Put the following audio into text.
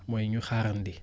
mooy ñu xaarandi